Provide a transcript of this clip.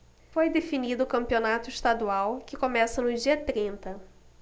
foi definido o campeonato estadual que começa no dia trinta